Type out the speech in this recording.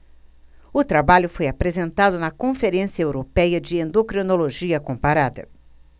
o trabalho foi apresentado na conferência européia de endocrinologia comparada